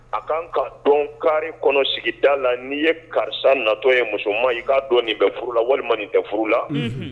A kan ka dɔn kari kɔnɔ , sigida la, nin ye karisa natɔ ye, muso ma i k kaa dɔn nin bɛ furu la walima nin tɛ furu la, unhun.